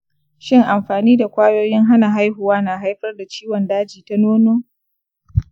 shin amfani da kwayoyin hana haihuwa na haifar da ciwon daji ta nono?